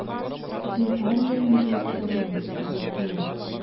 Зинһар өчен, диеп сорыйм бит, йозаккаем...